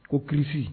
Ko kisi